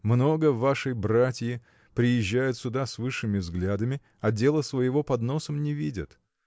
Много вашей братьи приезжают сюда с высшими взглядами а дела своего под носом не видят.